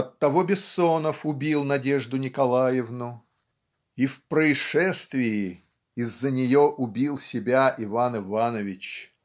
оттого Безсонов убил Надежду Николаевну и в "Происшествии" из-за нее убил себя Иван Иванович.